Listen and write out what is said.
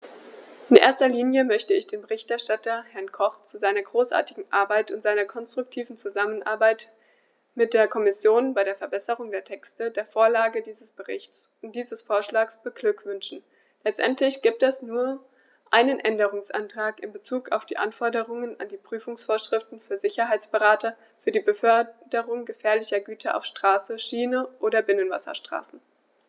In erster Linie möchte ich den Berichterstatter, Herrn Koch, zu seiner großartigen Arbeit und seiner konstruktiven Zusammenarbeit mit der Kommission bei der Verbesserung der Texte, der Vorlage dieses Berichts und dieses Vorschlags beglückwünschen; letztendlich gibt es nur einen Änderungsantrag in bezug auf die Anforderungen an die Prüfungsvorschriften für Sicherheitsberater für die Beförderung gefährlicher Güter auf Straße, Schiene oder Binnenwasserstraßen.